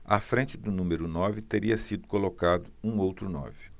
à frente do número nove teria sido colocado um outro nove